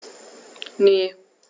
Ne.